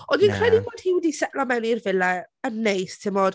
Ie... Ond dwi'n credu bod hi wedi setlo mewn i'r villa yn neis, timod?